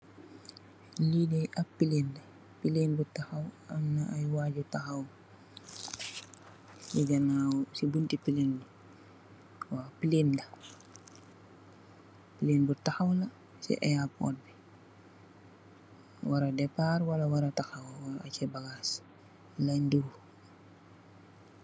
Lii dëë ab pilëën la, pilëën bu taxaw am na ab waaju taxaw si bunti pilëën bi. Waaw pilëën la, pilëën bi taxaw na, ci eyaapopt bi, wara depaar, Wala taxaw. Luy wacee bagaas laay niru.